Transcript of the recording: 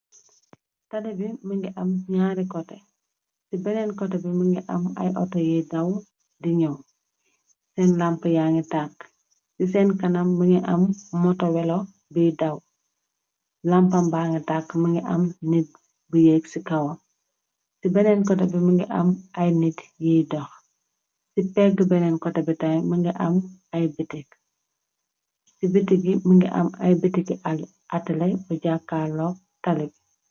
Taali bi mogi am ñaari kote ci beneen koté bi mogi am ay auto yiy daw di ñëw seen lamp yangi tàkk ci seen kanam mogi am moto welo biy daw lampambaangi tàkk mogi am nit bu yégg ci kawam ci beneen koté bi mogi am ay nit yui dox ci peggi beneen koté bi tamit mongi am ay bitiki ci bitik bi mogi am ay bitiki atale bu jàkkaalo talibe.